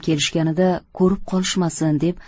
kelishganida ko'rib qolishmasin